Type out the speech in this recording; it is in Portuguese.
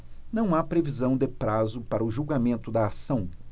não há previsão de prazo para o julgamento da ação